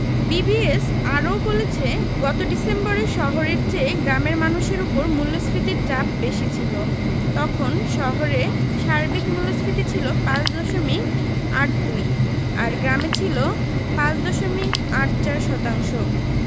BBS আরও বলেছে গত ডিসেম্বরে শহরের চেয়ে গ্রামের মানুষের ওপর মূল্যস্ফীতির চাপ বেশি ছিল তখন শহরে সার্বিক মূল্যস্ফীতি ছিল ৫ দশমিক ৮ ২ আর গ্রামে ছিল ৫ দশমিক ৮ ৪ শতাংশ